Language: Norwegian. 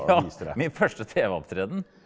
ja, min første tv-opptreden.